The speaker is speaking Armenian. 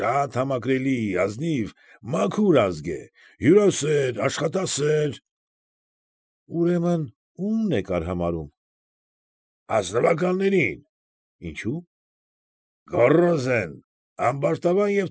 Շատ համակրելի, ազնիվ, մաքուր ազգ է, հյուրասեր, աշխատասեր։ ֊ Ուրեմն, ո՞ւմն եք արհամարհում։ ֊ Ազնվականներին։ ֊ Ինչո՞ւ։ ֊ Գոռոզ են, անբարտավան և։